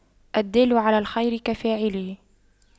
الدال على الخير كفاعله